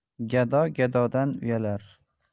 gado gadodan uyalar